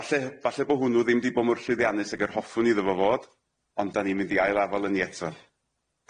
Falle falle bo hwnnw ddim di bo mor llwyddianus ag yr hoffwn iddo fo fod ond 'dan ni'n mynd i ail afal yni eto.